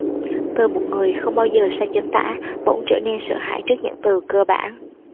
từ một người không bao giờ sai chính tả bỗng trở nên sợ hãi trước những từ cơ bản